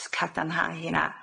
Jyst cadarnhau hynna.